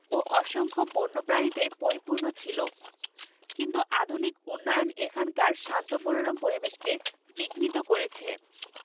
ও অসংখ্য বন্যপ্রাণীতে পরিপূর্ণ ছিল কিন্তু আধুনিক উন্নয়ন এখানকার শান্ত মনোরম পরিবেশকে বিঘ্নিত করেছে